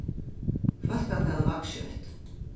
fólkatalið vaks skjótt